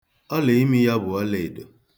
Ọliimi ya bụ ọlaedo.